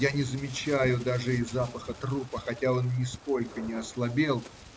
я не замечаю даже и запаха трупа, хотя он нисколько не ослабел.